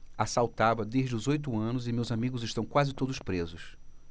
assaltava desde os oito anos e meus amigos estão quase todos presos